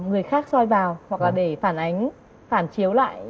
người khác soi vào hoặc là để phản ánh phản chiếu lại